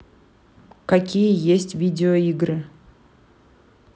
какие есть видеоигры